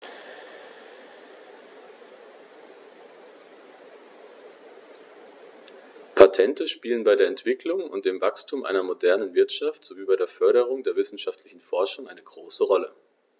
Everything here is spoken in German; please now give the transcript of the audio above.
Patente spielen bei der Entwicklung und dem Wachstum einer modernen Wirtschaft sowie bei der Förderung der wissenschaftlichen Forschung eine große Rolle.